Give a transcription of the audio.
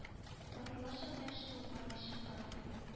Батырларча көрәште ул бар көчен сарыф итеп